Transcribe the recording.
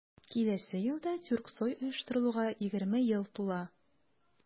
Киләсе елда Тюрксой оештырылуга 20 ел тула.